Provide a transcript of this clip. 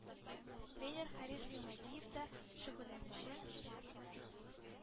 Тренер Харис Гыймадиевта шөгыльләнүче